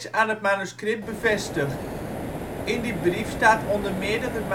aan het manuscript bevestigd. In die brief staat onder meer dat het